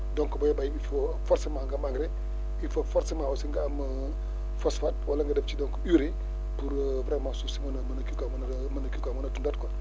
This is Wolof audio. donc booy béy il faut forcément nga am engrais il faut forcément aussi nga am phospahte wala nga def ci donc urée pour vraiment suuf si mën a mën a kii quoi mën a mën a kii quoi mën a dundaat quoi